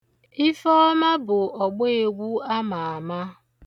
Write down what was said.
Ifeọma bụ ọgbeegwu ama ama.